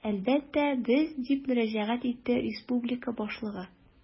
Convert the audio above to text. Әлбәттә, без, - дип мөрәҗәгать итте республика башлыгы.